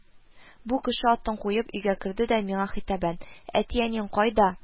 Бу кеше, атын куеп, өйгә керде дә миңа хитабән: "Әти-әниең кайда